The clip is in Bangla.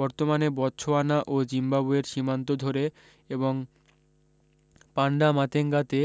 বর্তমানে বতসোয়ানা এবং জিম্বাবোয়ের সীমান্ত ধরে এবং পান্ডামাতেঙ্গাতে